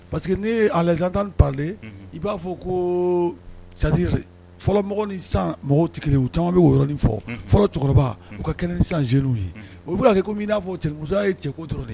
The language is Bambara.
Parce que n'i ye a les entendre parler unhun, i b'a fɔ ko c'est à dire fɔlɔɔmɔg ni sisan mɔgɔw tɛ kelen ye, caaman bɔrɔnin fɔ,,unhun, fɔlɔ cɛkɔrɔba o ka kɛnɛ ni sisan jeunes ye u b'a ka kɛ komi sisan i n'a fɔ cɛni musoya ye cɛ ko dɔrɔnw de ye.